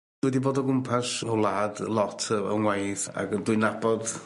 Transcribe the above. Dwi 'di bod o gwmpas y wlad lot yy yn ngwaith ag o'n dwy nabod